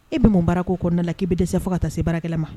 E bɛ mun baara k'o kɔnɔna la k'i bɛ dɛsɛ fo ka taa se baarakɛla ma?